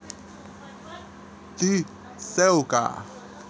ты целка